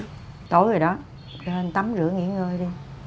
tối rồi đó lên tắm rửa nghỉ ngơi đi